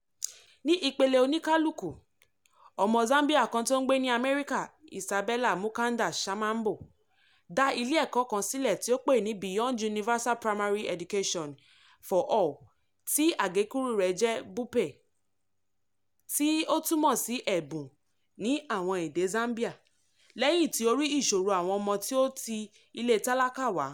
Ní ipele òníkálùkù, ọmọ Zambia kan tó ń gbé ní Amerika, Isabella Mukanda Shamambo, dá ilé ẹ̀kọ́ kan sílẹ̀ tó pè ní Beyond Universal Primary Education for All tí àgékùrú rẹ̀ jẹ́ BUPE (tí ó túmọ̀ sí "ẹ̀bùn" ní àwọn èdè Zambia) lẹ́yìn tó rí ìṣòro àwọn ọmọ tó ti ilé tálákà wá.